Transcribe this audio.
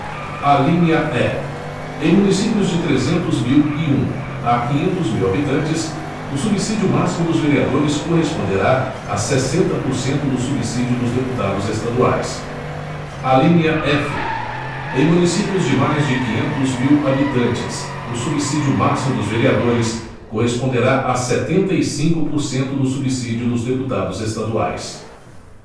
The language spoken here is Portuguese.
alínea e em municípios de trezentos mil e um a quinhentos mil habitantes o subsídio máximo dos vereadores corresponderá a sessenta por cento do subsídio dos deputados estaduais alínea f em municípios de mais de quinhentos mil habitantes o subsídio máximo dos vereadores corresponderá a setenta e cinco por cento do subsídio dos deputados estaduais